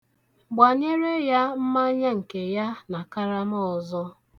Gbanyere ya mmanya nke ya na karama ọzọ.